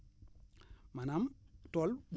maanaam tool